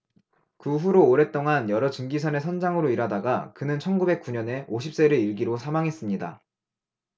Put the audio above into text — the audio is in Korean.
그 후로 오랫동안 여러 증기선의 선장으로 일하다가 그는 천 구백 구 년에 오십 세를 일기로 사망했습니다